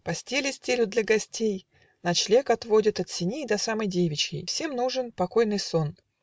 Постели стелют; для гостей Ночлег отводят от сеней До самой девичьи. Всем нужен Покойный сон.